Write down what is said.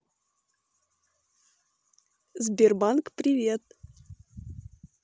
сбербанк привет